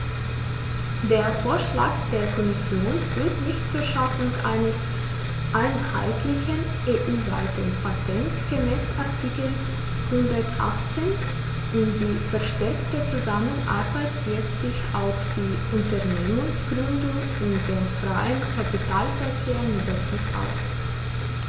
Der Vorschlag der Kommission führt nicht zur Schaffung eines einheitlichen, EU-weiten Patents gemäß Artikel 118, und die verstärkte Zusammenarbeit wirkt sich auf die Unternehmensgründung und den freien Kapitalverkehr negativ aus.